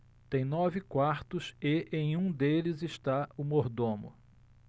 tem nove quartos e em um deles está o mordomo